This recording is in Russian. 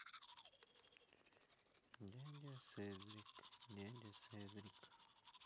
дядя седрик дядя седрик